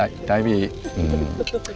tại tại vì ừm